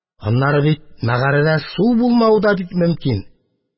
Аннары бит мәгарәдә су булмавы да бик мөмкин.